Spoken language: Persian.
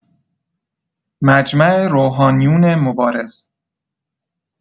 مجمع روحانیون مبارز